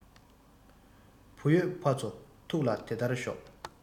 བུ ཡོད ཕ ཚོ ཐུགས ལ དེ ལྟར ཞོག